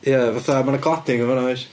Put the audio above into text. Ie fatha mae 'na cladding yn fan'na oes?